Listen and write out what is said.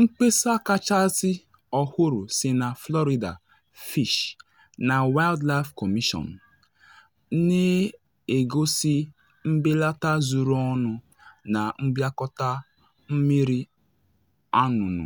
Mkpesa kachasị ọhụrụ si na Florida Fish na Wildlife Commission na egosi mbelata zuru ọnụ na mbịakọta Mmiri Anụnụ